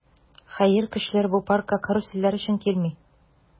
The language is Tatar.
Хәер, кешеләр бу паркка карусельләр өчен килми.